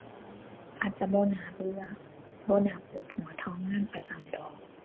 อาจจะบ่น่าเบื่อ บ่น่าปวดหัวเท่างานประจำดอก